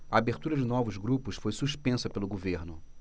a abertura de novos grupos foi suspensa pelo governo